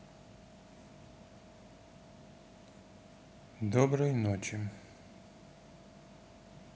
доброй ночи